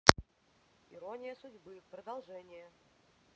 ирония судьбы продолжение